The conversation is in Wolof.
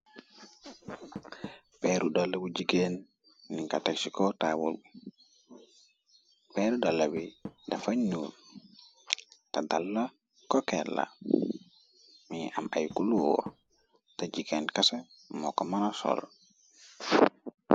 peeru dolla bu jigeen ningatagchiko taawul bi peeru dalla bi dafa ñuur te dalla ko kella mi am ay ku loowoo te jigeen kase mo ko mëna soll